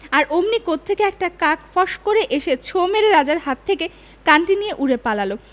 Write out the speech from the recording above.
আর অমনি কোত্থেকে একটা কাক ফস্ করে এসে ছোঁ মেরে রাজার হাত থেকে কানটি নিয়ে উড়ে পালাল